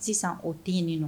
Sisan o tɛinin nɔ